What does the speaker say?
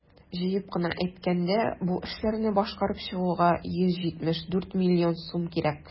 Җыеп кына әйткәндә, бу эшләрне башкарып чыгуга 174 млн сум кирәк.